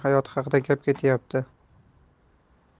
hayoti haqida gap ketyapti